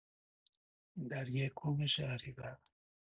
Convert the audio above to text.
در یکم شهریور